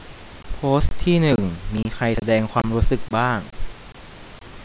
โพสต์ที่หนึ่งมีใครแสดงความรู้สึกบ้าง